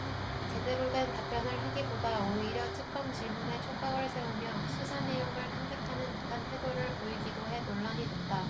제대로 된 답변을 하기보다 오히려 특검 질문에 촉각을 세우며 수사 내용을 탐색하는 듯한 태도를 보이기도 해 논란이 됐다